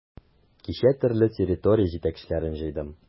Кичә төрле территория җитәкчеләрен җыйдым.